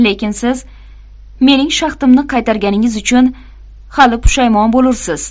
lekin siz mening shaxtimni qaytarganingiz uchun hali pushaymon bo'lursiz